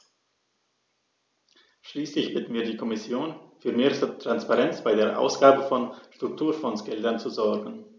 Schließlich bitten wir die Kommission, für mehr Transparenz bei der Ausgabe von Strukturfondsgeldern zu sorgen.